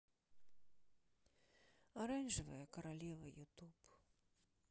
оранжевая корова ютюб